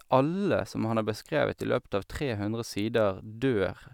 Alle som han har beskrevet i løpet av tre hundre sider, dør.